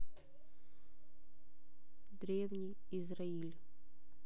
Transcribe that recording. древний израиль